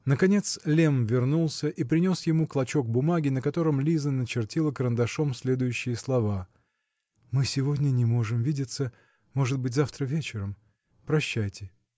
Наконец Лемм вернулся и принес ему клочок бумаги, на котором Лиза начертила карандашом следующие слова: "Мы сегодня не можем видеться может быть -- завтра вечером. Прощайте".